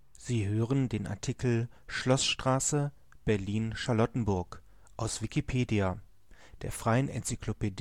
Sie hören den Artikel Schloßstraße (Berlin-Charlottenburg), aus Wikipedia, der freien Enzyklopädie